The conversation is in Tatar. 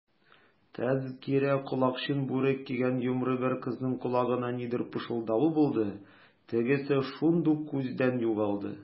Тәзкирә колакчын бүрек кигән йомры бер кызның колагына нидер пышылдавы булды, тегесе шундук күздән югалды.